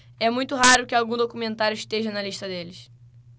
é muito raro que algum documentário esteja na lista deles